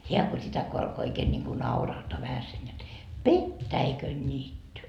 hän kun sitä kun alkoi oikein niin kuin naurahtaa vähäsen jotta petäikönniitty